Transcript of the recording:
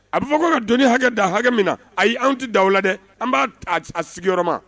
A bɛ fɔ ko ka doni hakɛ da hakɛ min na a y' an tɛ dawu la dɛ an b'a taa a sigiyɔrɔ ma